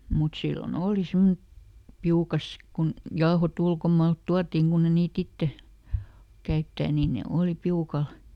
mutta silloin oli semmoinen piukassa kun jauhot ulkomaalta tuotiin kun ei niitä itse käyttää niin ne oli piukalla